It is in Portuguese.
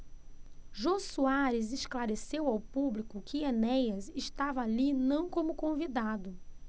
jô soares esclareceu ao público que enéas estava ali não como convidado